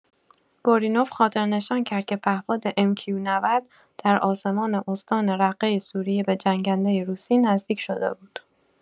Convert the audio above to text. گورینوف خاطرنشان کرد که پهپاد «ام کیو- ۹۰» در آسمان استان رقه سوریه به جنگنده روسی نزدیک شده بود.